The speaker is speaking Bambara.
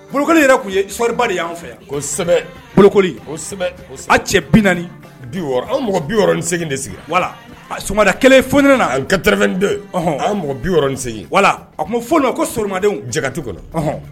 Bolokoli yɛrɛ tun ye sɔɔriba de y' fɛ bolokoli a cɛ bi bi mɔgɔ biɔrɔnse de sigi wala soda kelen fo kata an mɔgɔ biɔrɔn wala a fɔ ko somadenw jakati kɔnɔ